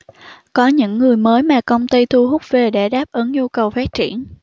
có những người mới mà công ty thu hút về để đáp ứng nhu cầu phát triển